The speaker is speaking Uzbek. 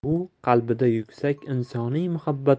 u qalbida yuksak insoniy muhabbat